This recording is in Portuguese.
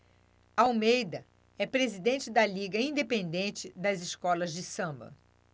almeida é presidente da liga independente das escolas de samba